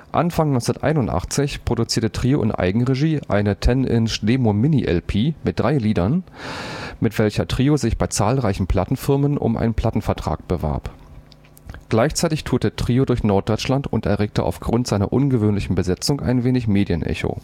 Anfang 1981 produzierte Trio in Eigenregie eine 10″-Demo-Mini-LP mit drei Liedern, mit welcher Trio sich bei zahlreichen Plattenfirmen um einen Plattenvertrag bewarb. Gleichzeitig tourte Trio durch Norddeutschland und erregte aufgrund seiner ungewöhnlichen Besetzung ein wenig Medienecho